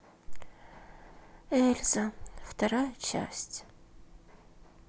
эльза вторая часть